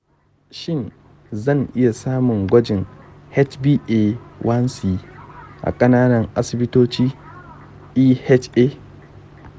shin zan iya samun gwajin hba1c a ƙananan-asibitocin eha?